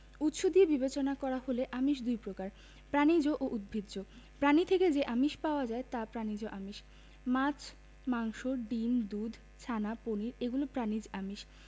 উৎস দিয়ে বিবেচনা করা হলে আমিষ দুই প্রকার প্রাণিজ ও উদ্ভিজ্জ প্রাণী থেকে যে আমিষ পাওয়া যায় তা প্রাণিজ আমিষ মাছ মাংস ডিম দুধ ছানা পনির এগুলো প্রাণিজ আমিষ